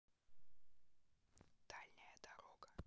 дальняя дорога